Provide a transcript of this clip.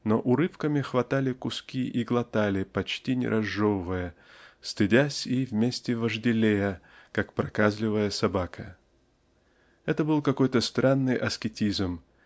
но урывками хватали куски и глотали почти не разжевывая стыдясь и вместе вожделея как проказливая собака. Это был какой-то странный аскетизм